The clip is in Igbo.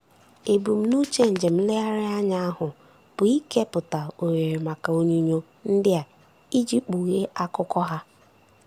Ebumnuche njem nlegharị anya ahụ bụ ikepụta ohere maka onyinyo ndị a iji kpughee akụkọ ha.